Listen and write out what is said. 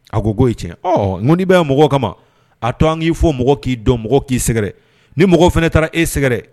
A ko ko cɛ ɔ n'i bɛ mɔgɔ kama a to an k'i fo mɔgɔ k'i dɔn mɔgɔ k'i sɛgɛrɛ ni mɔgɔ fana taara e sɛgɛrɛ